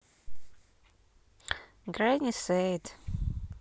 granny said